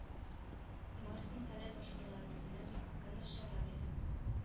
Марсның хәле башкаларныкыннан бик күпкә начаррак иде